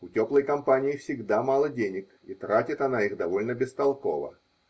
У теплой компании всегда мало денег, и тратит она их довольно бестолково.